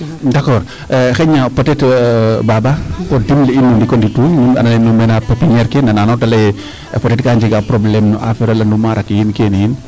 D' accord xayna peut etre Baba o dimle'in o ndiik o ndutuuñ nuun we andoona yee nu mera pépiniere ke nanaam ta lay ee peut etre kaa njega problème no affaire a landumaar ake yiin keene yiin .